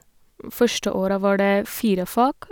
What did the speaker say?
Første året var det fire fag.